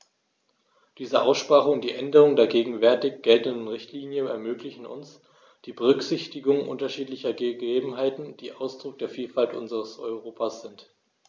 Diese Aussprache und die Änderung der gegenwärtig geltenden Richtlinie ermöglichen uns die Berücksichtigung unterschiedlicher Gegebenheiten, die Ausdruck der Vielfalt unseres Europas sind.